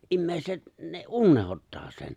ihmiset ne unohtaa sen